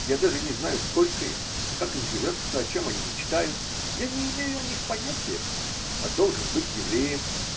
Я даже не знаю, сколько их, как им живется, о чем они мечтают, я не имею о них понятия, – а должен быть евреем.